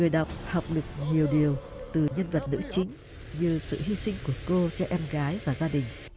người đọc học được nhiều điều từ nhân vật nữ chính như sự hi sinh của cô cho em gái và gia đình